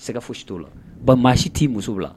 Sɛgɛ foyi si t' o la ban maa si t'i muso la